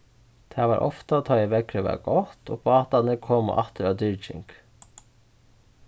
tað var ofta tá ið veðrið var gott og bátarnir komu aftur av dyrging